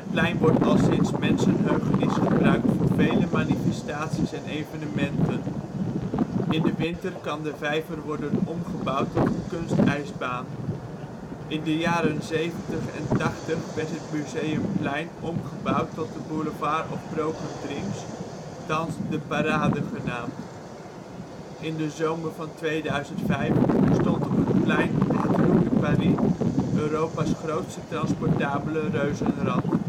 plein wordt al sinds mensenheugenis gebruikt voor vele manifestaties en evenementen (massademonstraties, Uitmarkt, Koninginnedag). In de winter kan de vijver worden omgebouwd tot een kunstijsbaan. In de jaren zeventig en tachtig werd het Museumplein omgebouwd tot de Boulevard of broken dreams, thans De Parade genaamd. In de zomer van 2005 stond op het plein het Roue de Paris, Europa 's grootste transportabele reuzenrad